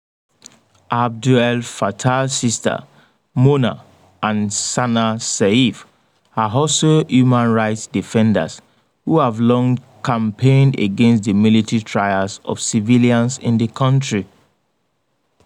Abd El Fattah’s sisters, Mona and Sanaa Seif, are also human rights defenders who have long campaigned against the military trials of civilians in the country.